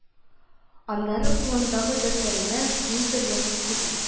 Аннары кулындагы дәфтәренә нидер язып куя